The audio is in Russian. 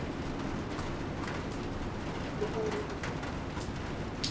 а ты замужем